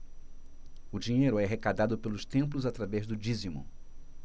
o dinheiro é arrecadado pelos templos através do dízimo